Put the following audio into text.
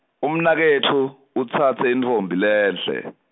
umnaketfu, utsatse intfombi lenhle.